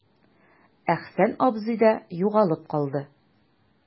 Әхсән абзый да югалып калды.